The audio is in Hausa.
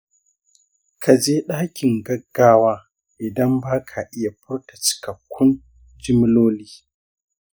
ka je dakin gaggawa idan ba ka iya furta cikakkun jimloli.